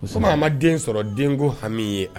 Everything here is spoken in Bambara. Musoman ma den sɔrɔ denko hami ye